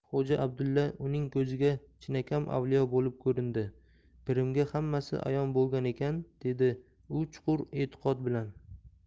xo'ja abdulla uning ko'ziga chinakam avliyo bo'lib ko'rindi pirimga hammasi ayon bo'lgan ekan dedi u chuqur etiqod bilan